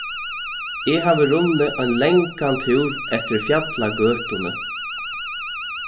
eg havi runnið ein langan túr eftir fjallagøtuni